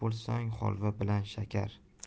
bo'lsang holva bilan shakar